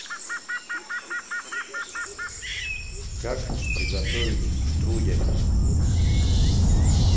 как приготовить штрудель